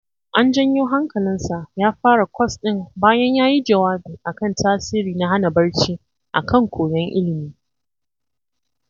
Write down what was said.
An janyo hankalinsa ya fara kwas ɗin bayan ya yi jawabi a kan tasiri na hana barci a kan koyon ilmi.